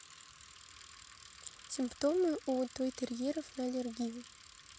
симптомы у тойтерьеров на аллергию